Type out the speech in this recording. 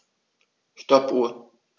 Stoppuhr.